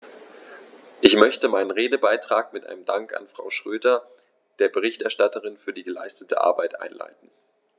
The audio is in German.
Ich möchte meinen Redebeitrag mit einem Dank an Frau Schroedter, der Berichterstatterin, für die geleistete Arbeit einleiten.